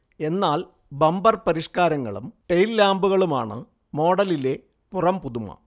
എന്നാൽ ബമ്പർ പരിഷ്കാരങ്ങളും ടെയിൽ ലാമ്പുകളുമാണ് മോഡലിലെ പുറംപുതുമ